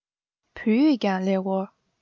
བོད ཡིག ཀྱང ཀླད ཀོར